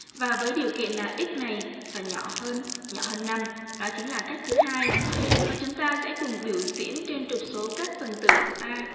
và với điều kiện là x này phải nhỏ hơn nhỏ hơn năm đó chính là cách thứ hai chúng ta sẽ cùng biểu diễn trên trục số các phần tử của a